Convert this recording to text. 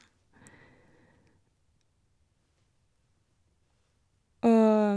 Og...